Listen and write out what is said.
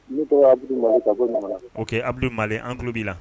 Adu mali an tulo b'i la